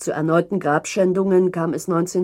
erneuten Grabschändungen kam es 1978